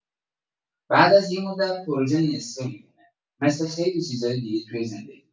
بعد از یه مدت، پروژه نصفه می‌مونه، مثل خیلی چیزای دیگه توی زندگی.